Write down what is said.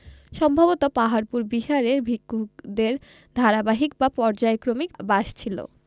সম্ভবত পাহাড়পুর বিহারে ভিক্ষুদের ধারাবাহিক বা পর্যায়ক্রমিক বাস ছিল